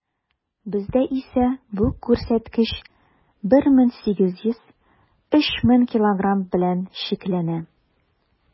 Бездә исә бу күрсәткеч 1800 - 3000 килограмм белән чикләнә.